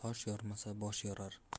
tosh yormasa bosh yorar